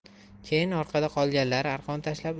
keyin orqada qolganlari arqon tashlab